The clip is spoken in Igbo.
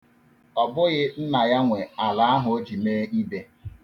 Ọ bụghị nna ya nwe ala ahụ o ji mee ibe.